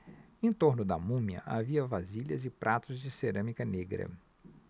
em torno da múmia havia vasilhas e pratos de cerâmica negra